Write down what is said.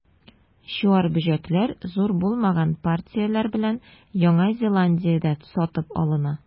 Чуар бөҗәкләр, зур булмаган партияләр белән, Яңа Зеландиядә сатып алына.